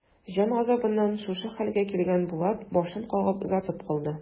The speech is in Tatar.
Җан газабыннан шушы хәлгә килгән Булат башын кагып озатып калды.